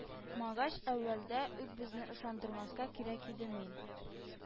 Магач, әүвәлдә үк безне ышандырмаска кирәк иде, мин